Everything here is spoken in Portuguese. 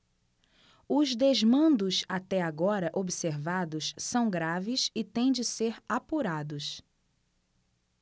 os desmandos até agora observados são graves e têm de ser apurados